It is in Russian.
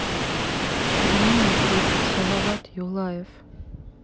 прямой эфир салават юлаев